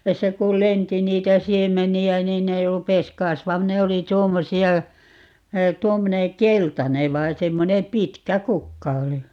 tästä kun lensi niitä siemeniä niin ne rupesi - ne oli tuommoisia tuommoinen keltainen vai semmoinen pitkä kukka oli